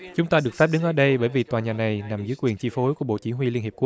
chúng ta được phép đứng ở đây bởi vì tòa nhà này nằm dưới quyền chi phối của bộ chỉ huy liên hiệp